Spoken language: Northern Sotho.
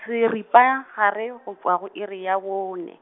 seripagare go tšwa go iri ya bone.